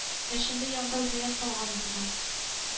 Яшенле яңгыр зыян салган булган